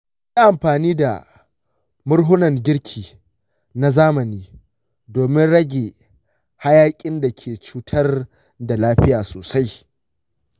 yi amfani da murhunan girki na zamani domin rage hayaƙin da ke cutar da lafiya sosai.